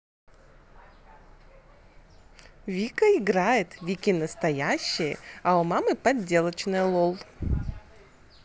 вика играет вики настоящие а у мамы поделочная лол